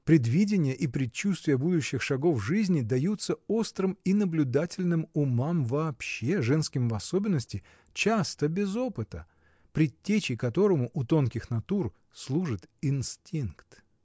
Предвидения и предчувствия будущих шагов жизни даются острым и наблюдательным умам вообще, женским в особенности, часто без опыта, предтечей которому у тонких натур служит инстинкт.